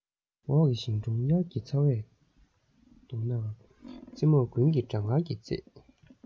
འོག གི ཞིང གྲོང དབྱར གྱི ཚ བས གདུང ནའང རྩེ མོར དགུན གྱི གྲང ངར གྱིས གཙེས